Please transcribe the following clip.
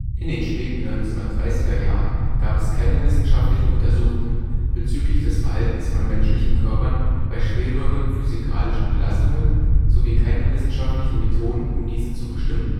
In den späten 1930er Jahren gab es keine wissenschaftlichen Untersuchungen bezüglich des Verhaltens von menschlichen Körpern bei schwereren physikalischen Belastungen sowie keine wissenschaftlichen Methoden, um diese zu bestimmen